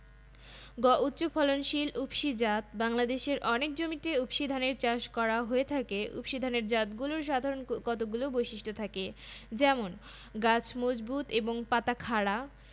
তাই সকল উফশী ধান আধুনিক নয় কিন্তু সকল আধুনিক ধানে উফশী গুণ বিদ্যমান